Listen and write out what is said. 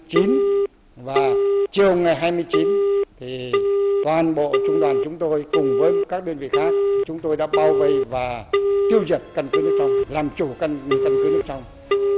chín và chiều ngày hai mươi chín thì toàn bộ trung đoàn chúng tôi cùng với các đơn vị khác chúng tôi đã bao vây và tiêu diệt căn cứ nước trong làm chủ cần căn cứ nước trong